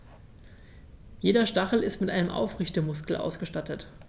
Jeder Stachel ist mit einem Aufrichtemuskel ausgestattet.